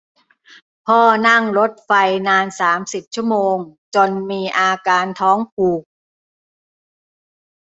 พ่อนั่งรถไฟนานสิบสามชั่วโมงจนมีอาการท้องผูก